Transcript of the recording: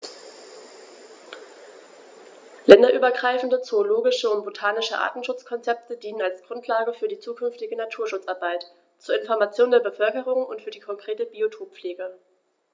Länderübergreifende zoologische und botanische Artenschutzkonzepte dienen als Grundlage für die zukünftige Naturschutzarbeit, zur Information der Bevölkerung und für die konkrete Biotoppflege.